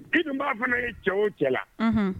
Jiri dun b'a fana ye cɛ o cɛla la